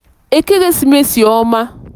Ekeresimesi ọma!